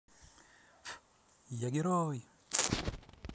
я герой